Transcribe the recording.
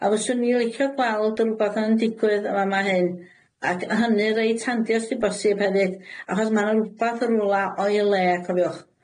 A fyswn i licio gweld rwbath yn digwydd yn fa'ma hyn, ac hynny reit handi os 'di bosib hefyd. Achos ma' 'na rwbath yn rwla o'i le, cofiwch.